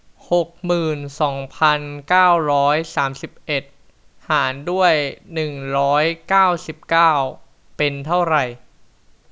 หกหมื่นสองพันเก้าสามสิบเอ็ดหารด้วยหนึ่งร้อยเก้าสิบเก้าเป็นเท่าไร